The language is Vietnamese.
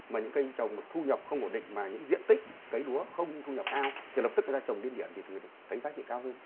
mà những cây trồng hoặc thu nhập không ổn định mà những diện tích cấy lúa không thu nhập cao thì lập tức ta trồng điên điển thì thường để thấy giá trị cao hơn